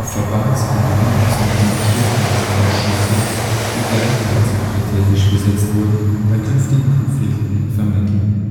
Verbandsebene sollten Schlichtungsausschüsse, die gleichfalls paritätisch besetzt wurden, bei künftigen Konflikten vermitteln